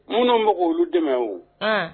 Minnu bɛk'olu dɛmɛ wo, ɔnn